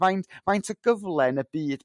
fain- faint o gyfle yn y byd